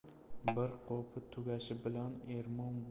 bir qopi tugashi bilan ermon